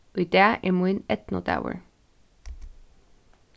í dag er mín eydnudagur